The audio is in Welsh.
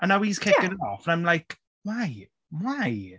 And now he's kicking... ie ...it off and I'm like, "Why? Why?"